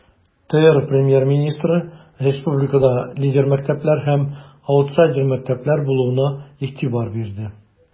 ТР Премьер-министры республикада лидер мәктәпләр һәм аутсайдер мәктәпләр булуына игътибар бирде.